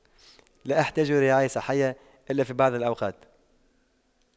لا أحتاج لرعاية صحية إلا في بعض الأوقات